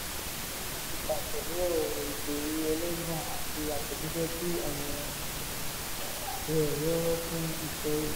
Wọ́n fi fọ́nràn náà síta pẹ̀lú ọ̀rọ̀ ìpèrí ẹlẹ́gàn àti àtẹ̀jíṣẹ́ tí ohùn orin rẹ̀ rorò fún ìfẹ́ ìlú.